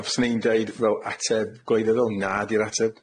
A fyswn i'n deud, fel ateb gwleidyddol, na 'di'r ateb.